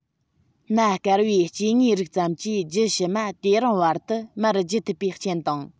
གནའ བསྐལ བའི སྐྱེ དངོས རིགས ཙམ གྱིས རྒྱུད ཕྱི མ དེ རིང བར དུ མར བརྒྱུད ཐུབ པའི རྐྱེན དང